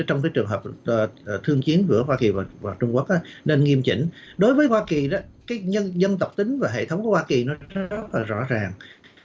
trong cái trường hợp ờ ờ thương chiến giữa hoa kỳ và trung quốc á nên nghiêm chỉnh đối với hoa kỳ đó cái nhân dân tộc tính và hệ thống hoa kỳ nó rất là rõ ràng